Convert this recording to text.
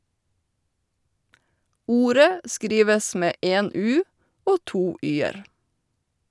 Ordet skrives med én "u" og to "y"-er.